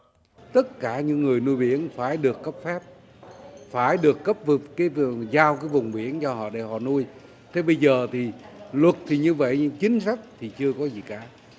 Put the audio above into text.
tất cả những người nuôi biển phải được cấp phép phải được cấp vượt kế vườn giao cứ vùng biển do họ để họ nuôi thế bây giờ thì luật thì như vậy nhưng chính sách thì chưa có gì cả